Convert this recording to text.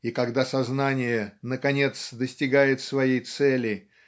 и когда сознание наконец достигает своей цели